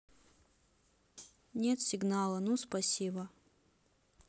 нет сигнала ну спасибо